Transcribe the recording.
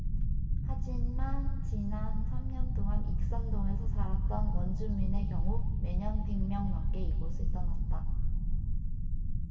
하지만 지난 삼 년동안 익선동에서 살았던 원주민의 경우 매년 백 명 넘게 이곳을 떠났다